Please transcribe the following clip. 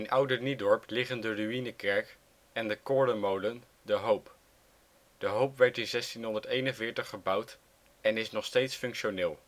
Oude Niedorp liggen de Ruïnekerk en de korenmolen ' De Hoop '. De Hoop werd in 1641 gebouwd en is nog steeds functioneel